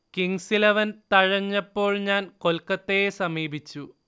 Kings Eleven തഴഞ്ഞപ്പോൾ ഞാൻ കൊൽക്കത്തയെ സമീപിച്ചു